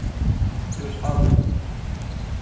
tú ert álítandi